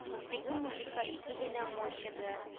Теге мужикка ике генә манчыды